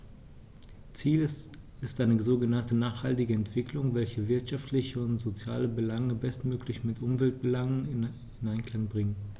Ziel ist eine sogenannte nachhaltige Entwicklung, welche wirtschaftliche und soziale Belange bestmöglich mit Umweltbelangen in Einklang bringt.